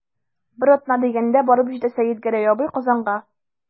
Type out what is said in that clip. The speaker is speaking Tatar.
Бер атна дигәндә барып җитә Сәетгәрәй абый Казанга.